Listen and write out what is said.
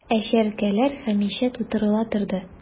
Ә чәркәләр һәмишә тутырыла торды...